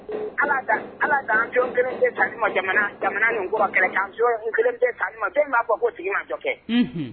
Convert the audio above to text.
Hali k'a dan avion 1 sanni ma jamana in ko la kɛlɛkɛ avion 1 sanni ma jɔn bɛ se k'a fɔ k'o tigi man dɔ kɛ